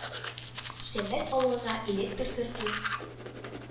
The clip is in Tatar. Шәммәт авылына электр кертү